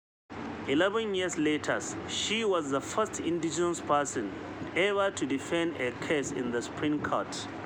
Eleven years later, she was the first indigenous person ever to defend a case in the Supreme Court.